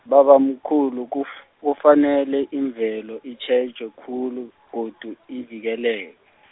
babamkhulu, kuf- kufanele imvelo itjhejwe khulu, godu ivikelwe .